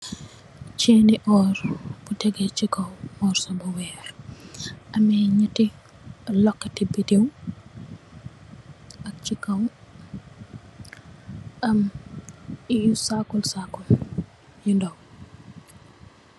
Chain ni oor bu tege si kaw morso bu weex ame neeti koketi bidew ak si kaw am yu circle circle yu ndaw.